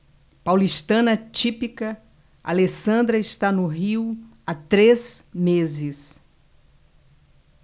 paulistana típica alessandra está no rio há três meses